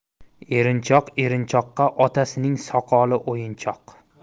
erinchoq erinchoqqa otasining soqoli o'yinchoq